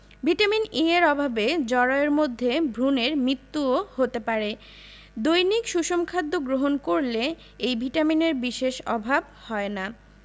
vitamin E এর অভাবে জরায়ুর মধ্যে ভ্রুনের মৃত্যুও হতে পারে দৈনিক সুষম খাদ্য গ্রহণ করলে এই ভিটামিনের বিশেষ অভাব হয় না